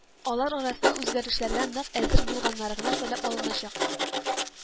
Алар арасыннан үзгәрешләргә нык әзер булганнары гына сайлап алыначак